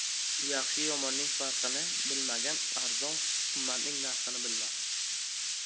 yaxshi yomonning farqini bilmagan arzon qimmatning narxini bilmas